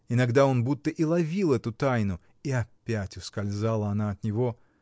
Иногда он будто и ловил эту тайну, и опять ускользала она у него.